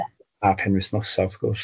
...a penwythnosa wrth gwrs.